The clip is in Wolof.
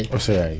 océeans yi